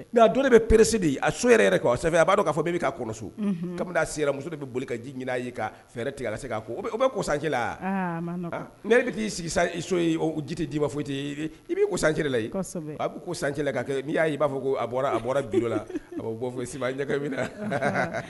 Mɛ don bɛ peresiri a so yɛrɛ a b'a k' fɔ' ka kɔso kabini a sera muso de bɛ boli ka ji ɲinin ye fɛɛrɛ tigɛ se k'a fɔ o bɛ ko sancɛla bɛ t'i sigi i so ji tɛ'i ma foyi i b'i ko sancɛ la a' ko sancɛ ka kɛ n'i'a y i b'a fɔ bɔra a bɔra don la bɔ ɲɛ